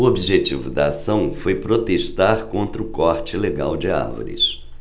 o objetivo da ação foi protestar contra o corte ilegal de árvores